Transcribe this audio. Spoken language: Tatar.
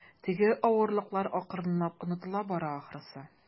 Теге авырлыклар акрынлап онытыла бара, ахрысы.